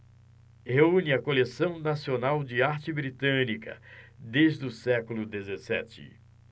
reúne a coleção nacional de arte britânica desde o século dezessete